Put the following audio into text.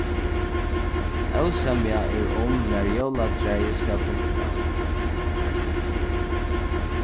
ósemja er um nær jólatræið skal pyntast